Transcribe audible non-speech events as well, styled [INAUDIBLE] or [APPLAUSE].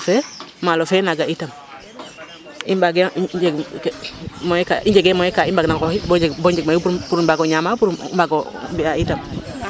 Maalo fe naaga itam [CROSSTALK] i mbaagee njeg ke moyens ka i njegee moyens ka i mbaagna nqooxit bo njeg bo njeg mayu pour mbaag o ñaamaa pour mbaag o mbi'aa itam.